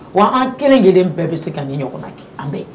Wa an kelen kelen bɛɛ bɛ se ka nin ɲɔgɔn na kɛ an bɛɛ